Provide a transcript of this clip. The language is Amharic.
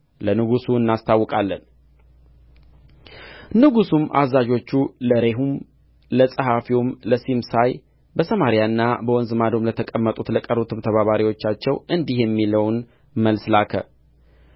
ለንጉሡ እናስታውቃለን ንጉሡም ለአዛዡ ለሬሁም ለጸሐፊውም ለሲምሳይ በሰማርያና በወንዝ ማዶም ለተቀመጡ ለቀሩት ተባባሪዎቻቸው እንዲህ የሚለውን መልስ ላከ